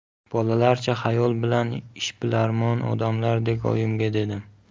bolalarcha xayol bilan ishbilarmon odamlardek oyimga dedim